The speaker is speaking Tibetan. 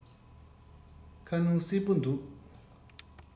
ཁ རླུང བསིལ པོ འདུག